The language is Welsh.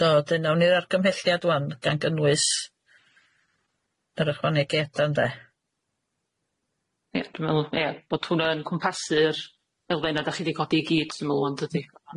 Do dyna'dyn nawn ni'r argymhelliad ŵan gan gynnwys yr ychwanegiada ynde? Ie dwi'n me'wl ie bod hwnna yn cwmpasu'r elfenna' dach chi di codi i gyd dwi'n me'wl ŵan dydi?